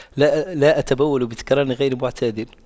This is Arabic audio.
لا لا أتبول بتكرار غير معتاد